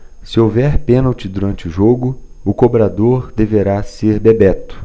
se houver pênalti durante o jogo o cobrador deverá ser bebeto